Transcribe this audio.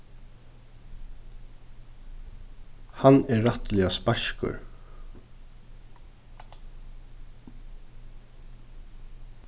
hann er rættiliga speiskur